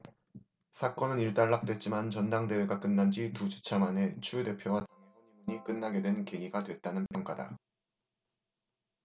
사건은 일단락됐지만 전당대회가 끝난지 두 주차 만에 추 대표와 당의 허니문이 끝나게 된 계기가 됐다는 평가다